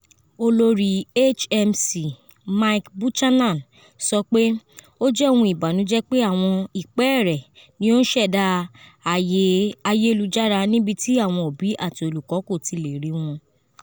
Olori HMC Mike Buchanan sọ pe: “O jẹ ohun ibanujẹ pe awọn ipẹẹrẹ ni o n ṣẹda aaye ayelujara nibi ti awọn obi ati olukọ koti le ri wọn.”